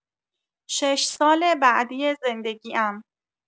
شش سال بعدی زندگی‌ام